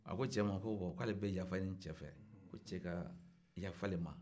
a ko cɛ ma ko ale bɛ yafa ɲini cɛ fɛ ko cɛ ka yaf'ale ma